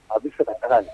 A bɛ se ka kan na